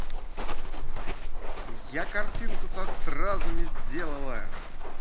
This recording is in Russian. я картинку со стразами сделала